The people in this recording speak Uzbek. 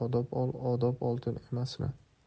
ol odob oltin emasmi